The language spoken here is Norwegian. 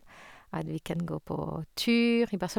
At vi kan gå på tur i Barce...